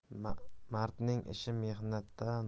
mardning ishi mehnatda